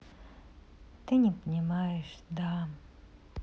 ты не понимаешь да